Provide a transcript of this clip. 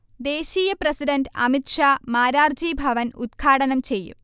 ദേശീയ പ്രെസിഡന്റ് അമിത്ഷാ മാരാർജി ഭവൻ ഉത്ഘാടനം ചെയ്യും